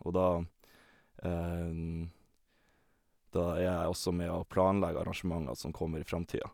Og da da er jeg også med og planlegger arrangementer som kommer i fremtiden.